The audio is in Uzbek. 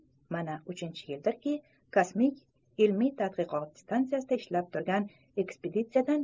mana uchinchi yildirki kosmik ilmiy tadqiqot stansiyasida ishlab turgan ekspeditsiyadan